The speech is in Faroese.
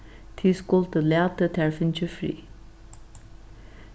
tit skuldu latið tær fingið frið